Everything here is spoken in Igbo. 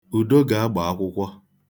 Udo ga-agba akwụkwọ.